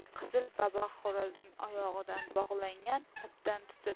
qizil babax xo'rozning oyog'idan bog'langan ipdan tutib